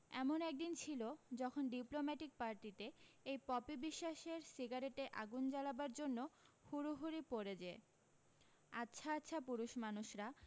এমন একদিন ছিল যখন ডিপ্লোম্যাটিক পার্টিতে এই পপি বিশ্বাসের সিগারেটে আগুন জবালাবার জন্য হুড়োহুড়ি পড়ে যে আচ্ছা আচ্ছা পুরুষমানুষরা